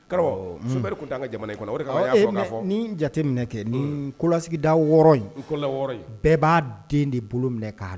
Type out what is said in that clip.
Ni jate minɛ kɛ nilasida wɔɔrɔ in bɛɛ b'a den de bolo minɛ k'a